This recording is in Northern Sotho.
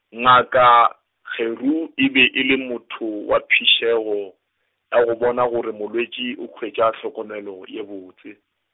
ngaka, Kgeru e be e le motho wa phišego, ya go bona gore molwetši o hwetša tlhokomelo ye botse.